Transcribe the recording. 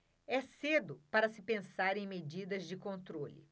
é cedo para se pensar em medidas de controle